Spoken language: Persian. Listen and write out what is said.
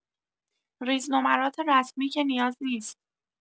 ریز نمرات رسمی که نیاز نیست؟